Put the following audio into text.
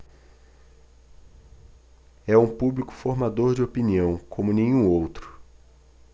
é um público formador de opinião como nenhum outro